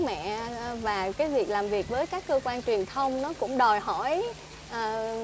mẹ ờ và cái việc làm việc với các cơ quan truyền thông nó cũng đòi hỏi à